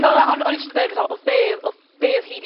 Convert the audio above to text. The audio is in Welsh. Na na o'n o'n i jyst yn deud fatha odd be- odd be' odd hi 'di